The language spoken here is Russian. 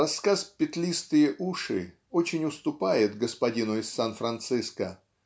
Рассказ "Петлистые уши" очень уступает "Господину из Сан-Франциско"